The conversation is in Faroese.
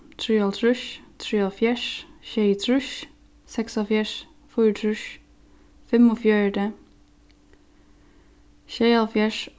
trýoghálvtrýss trýoghálvfjerðs sjeyogtrýss seksoghálvfjerðs fýraogtrýss fimmogfjøruti sjeyoghálvfjerðs